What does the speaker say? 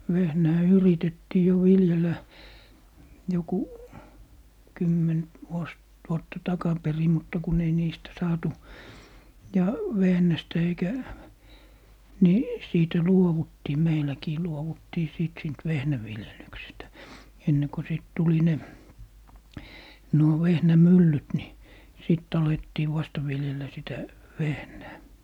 vehnää yritettiin jo viljellä joku - vuosi vuotta takaperin mutta kun ei niistä saatu ja vehnästä eikä niin siitä luovuttiin meilläkin luovuttiin sitten siitä vehnäviljelyksestä ennen kun sitten tuli ne nuo vehnämyllyt niin sitten alettiin vasta viljellä sitä vehnää